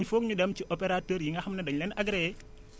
il foog ñu dem ci opérateur yi nga xam ne dañu leen a agréé